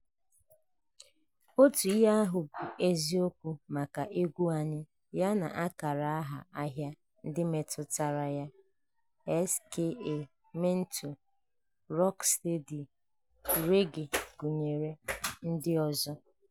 Otu ihe ahụ bụ eziokwu maka egwu anyị yana ákàrà aha ahịa ndị metụtara ya, Ska, Mento, Rock Steady, Reggae gụnyere ndị ọzọ.